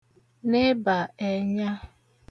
nebà ẹnya